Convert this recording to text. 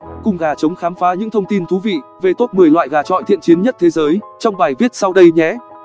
cùng gà trống khám phá những thông tin thú vị về top loại gà chọi thiện chiến nhất thế giới trong bài viết sau đây nhé